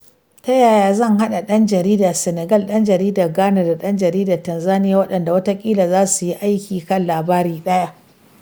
Ta yaya zan haɗa ɗan jaridar Senegal, ɗan jaridar Ghana da ɗan jaridar Tanzaniya waɗanda watakila za suyi aiki kan labari ɗaya?